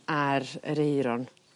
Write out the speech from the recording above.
ar yr aeron.